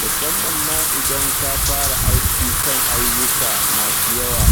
Musamman ma idan ka fara aiki kan ayyuka masu yawa,